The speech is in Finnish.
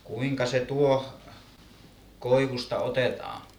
kuinka se tuohi koivusta otetaan